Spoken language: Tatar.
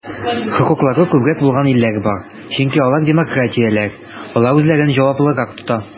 Хокуклары күбрәк булган илләр бар, чөнки алар демократияләр, алар үзләрен җаваплырак тота.